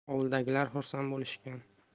ovuldagilar xursand bo'lishgandi